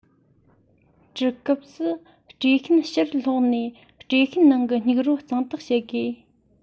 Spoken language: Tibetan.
བཀྲུ སྐབས སུ དཀྲེ ཤུན ཕྱིར བསློགས ནས དཀྲེ ཤུན ནང གི སྙིགས རོ གཙང དག བྱེད དགོས